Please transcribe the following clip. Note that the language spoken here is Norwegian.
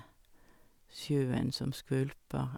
Sjøen som skvulper.